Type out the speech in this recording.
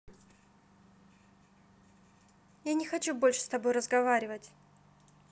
я не хочу больше с тобой разговаривать